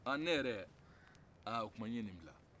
anh ne yɛrɛ ah o tuma n ye nin bila